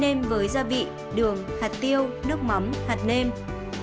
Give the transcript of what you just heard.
nêm với gia vị đường hạt tiêu nước mắm hạt nêm